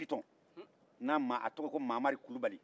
bitɔn n'a maa a tɔgɔ ko mamari kulubali